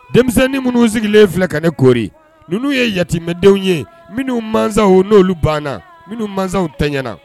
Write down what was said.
Denmisɛnnin minnu sigilenlen filɛ ka ne koɔriri ninnu ye yamɛdenw ye minnu maw n'olu banna minnu masaw tɛ ɲɛnaana